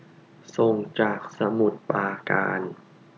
ส่งจากสมุทรปราการ